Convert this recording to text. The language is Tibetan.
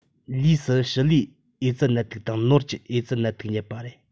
ལུས སུ ཞི ལའི ཨེ ཙི ནད དུག དང ནོར གྱི ཨེ ཙི ནད དུག རྙེད པ རེད